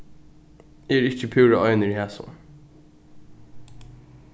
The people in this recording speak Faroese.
eg eri ikki púra einigur í hasum